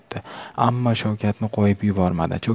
ammo shavkatni qo'yib yubormadi